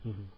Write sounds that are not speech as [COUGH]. [HESITATION] [HESITATION]